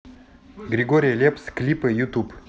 григорий лепс клипы ютуб